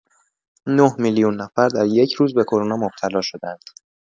۹ میلیون نفر در یک روز به کرونا مبتلا شدند.